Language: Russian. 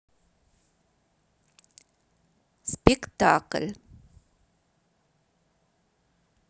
спектакль